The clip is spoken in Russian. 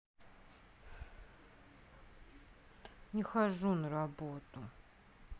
не хожу на работу